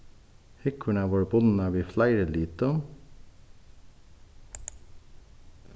húgvurnar vóru bundnar við fleiri litum